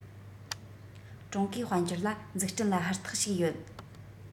ཀྲུང གོའི དཔལ འབྱོར ལ འཛུགས སྐྲུན ལ ཧུར ཐག ཞུགས ཡོད